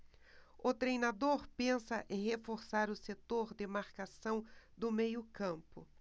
o treinador pensa em reforçar o setor de marcação do meio campo